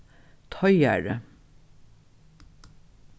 teigari